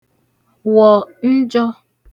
wọ̀ njō